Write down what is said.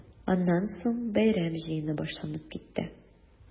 Аннан соң бәйрәм җыены башланып китте.